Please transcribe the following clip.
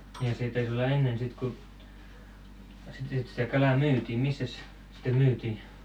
ja siinä täytyi olla ennen sitten kun sitten kun sitä kalaa myytiin missäs sitä myytiin